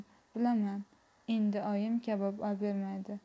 bilaman endi oyim kabob obermaydi